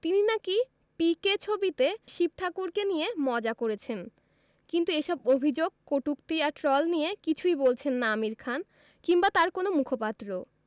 তিনি নাকি পিকে ছবিতে শিব ঠাকুরকে নিয়ে মজা করেছেন কিন্তু এসব অভিযোগ কটূক্তি আর ট্রল নিয়ে কিছুই বলছেন না আমির খান কিংবা তাঁর কোনো মুখপাত্র